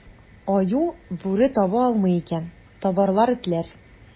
Аю, бүре таба алмый икән, табарлар этләр.